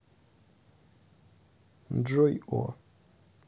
джой о